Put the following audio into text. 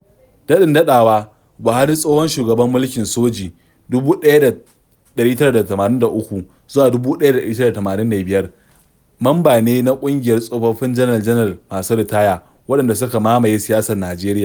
Daɗin-daɗawa, Buhari, tsohon shugaban mulkin soji (1983-1985) mamba ne na ƙungiyar tsofaffin janar-janar masu ritaya waɗanda suka mamaye siyasar Najeriya.